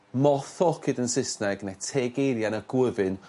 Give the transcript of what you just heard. moth orchid yn Saesneg ne' teg eirian y gwyfyn